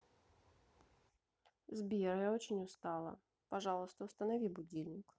сбер я очень устала пожалуйста установи будильник